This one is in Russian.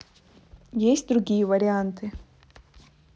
есть другие варианты